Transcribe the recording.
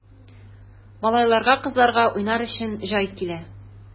Малайларга, кызларга уйнар өчен җай килә!